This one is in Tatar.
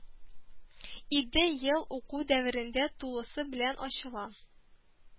Иде ел уку дәверендә тулысы белән ачыла